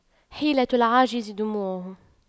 حيلة العاجز دموعه